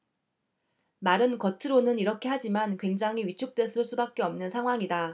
말은 겉으로는 이렇게 하지만 굉장히 위축됐을 수밖에 없는 상황이다